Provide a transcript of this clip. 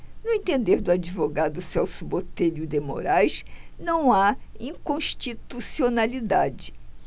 no entender do advogado celso botelho de moraes não há inconstitucionalidade